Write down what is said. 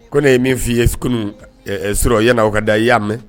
Ko ne ye min f' ii ye kunun sɔrɔ i ɲɛna naaw ka da i y'a mɛn